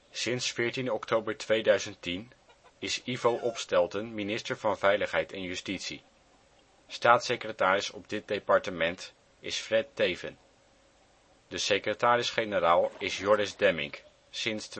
Sinds 14 oktober 2010 is Ivo Opstelten minister van Veiligheid en Justitie. Staatssecretaris op dit departement is Fred Teeven. De Secretaris-generaal is Joris Demmink (sinds